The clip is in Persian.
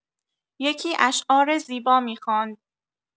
یکی اشعار زیبا می‌خواند.